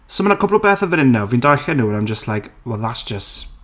So mae 'na cwpl o bethau fan hyn nawr, fi'n darllen nhw and I'm just like "Well, that's just...